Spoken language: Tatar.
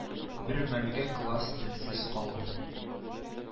Бер мәлгә класс телсез калды